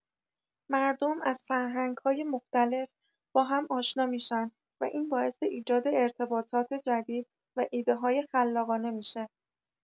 مردم از فرهنگ‌های مختلف با هم آشنا می‌شن و این باعث ایجاد ارتباطات جدید و ایده‌های خلاقانه می‌شه.